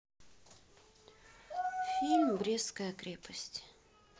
фильм брестская крепость